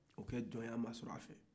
o ka jɔnya masɔrɔ a fɛ